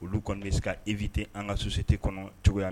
Olu kɔni dese se ka e vit an ka susute kɔnɔ cogoyaya